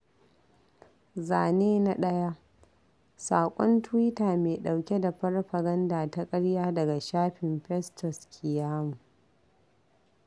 Zane na 1: Saƙon tuwita mai ɗauke da farfaganda ta ƙarya daga shafin Festus Keyamo